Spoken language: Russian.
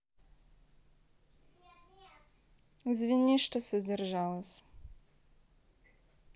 извини что содержалось